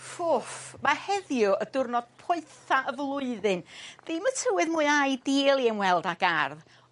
Ffwff! Ma' heddiw y diwrnod poetha y flwyddyn ddim y tywydd mwya ideail i ymweld ag ar'.